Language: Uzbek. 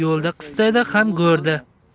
yo'lda qistaydi ham go'rda